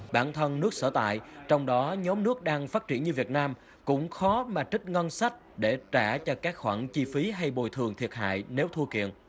bản thân nước sở tại trong đó nhóm nước đang phát triển như việt nam cũng khó mà trích ngân sách để trả cho các khoản chi phí hay bồi thường thiệt hại nếu thua kiệ